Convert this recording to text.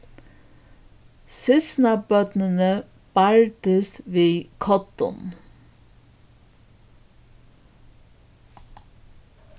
systkinabørnini bardust við koddum